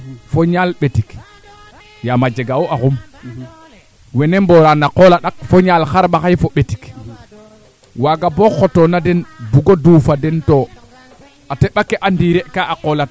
wu ando naye nu njine teen bo xarmbaxaye o ngoolo nge na leyel xarmbaxay a niita nuun kaaf kaaga mbaagete mbi pep paax keene na garta keena leyel kaaf keene kaade mbendel